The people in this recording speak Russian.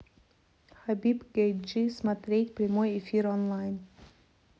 хабиб гейджи смотреть прямой эфир онлайн